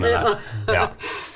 ja .